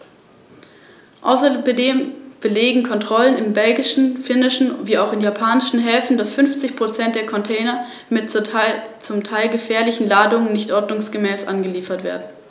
Zweitens stimme ich dem zu, was ich hier bereits von einem Kollegen über die Thematik der Inseln gehört habe, und ich möchte ebenfalls auf die Gebiete in äußerster Randlage aufmerksam machen.